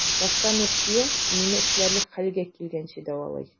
Башта Нурсөя мине эшләрлек хәлгә килгәнче дәвалый.